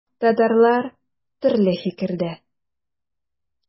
Татарлар төрле фикердә.